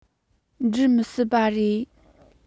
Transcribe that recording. འགྲུབ མི སྲིད པ རེད